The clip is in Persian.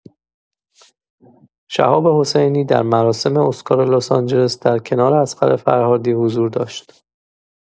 شهاب حسینی در مراسم اسکار لس‌آنجلس در کنار اصغر فرهادی حضور داشت.